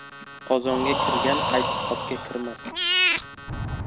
qozonga kirgan qaytib qopga kirmas